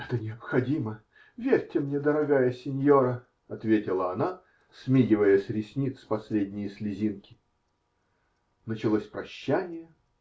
-- Это необходимо, верьте мне, дорогая синьора, -- ответила она, смигивая с ресниц последние слезинки. Началось прощание.